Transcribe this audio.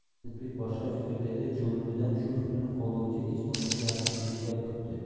asadbek boshqa fikrda edi chuvrindidan shu fikrini qo'llovchi hech bo'lmasa yaqin keluvchi gap kutdi